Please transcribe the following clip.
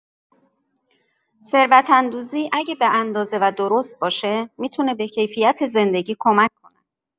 ثروت‌اندوزی اگه به‌اندازه و درست باشه، می‌تونه به کیفیت زندگی کمک کنه.